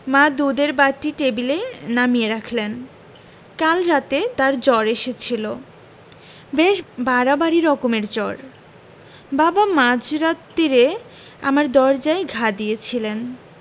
মা দুধের বাটি টেবিলে নামিয়ে রাখলেন কাল রাতে তার জ্বর এসেছিল বেশ বাড়াবাড়ি রকমের জ্বর বাবা মাঝ রাত্তিরে আমার দরজায় ঘা দিয়েছিলেন